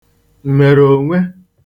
m̀mèrònwe